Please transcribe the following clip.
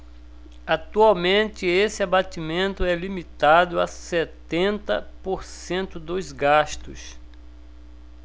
atualmente esse abatimento é limitado a setenta por cento dos gastos